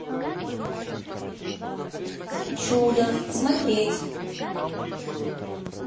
чудо смотреть